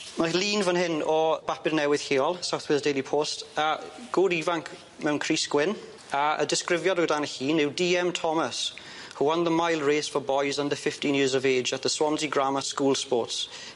Mae lun fan hyn o bapur newydd lleol South Wales Daily Post a gŵr ifanc mewn crys gwyn a y disgrifiad o dan y llyn yw Dee Em Thomas who won the mile race for boys under fifteen years of age at the Swansea Grammar School Sports.